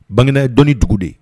Bangegya ye dɔn dugu de ye